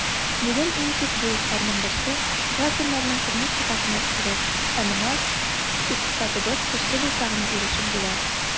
Бүген иң төп бурычларның берсе - гражданнарның тормыш сыйфатын арттыру, ә моңа икътисадыбыз көчле булса гына ирешеп була.